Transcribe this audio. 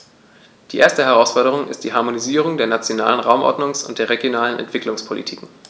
Die erste Herausforderung ist die Harmonisierung der nationalen Raumordnungs- und der regionalen Entwicklungspolitiken.